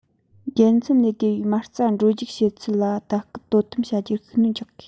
རྒྱལ མཚམས ལས བརྒལ བའི མ རྩ འགྲོ རྒྱུག བྱེད ཚུལ ལ ལྟ སྐུལ དོ དམ བྱ རྒྱུར ཤུགས སྣོན རྒྱག དགོས